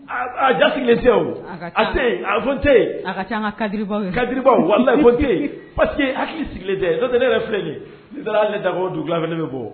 A Ja sigilen tɛ wo, a te ye, a ka ca, ka ca an ka cadres baw la, , parce que a hakili sigilen tɛ, n'o tɛ n ne yɛrɛ filɛ nin ye de ni taara ne dakɔnkɔ dugukila fɛ ne bɛ bɔ wo!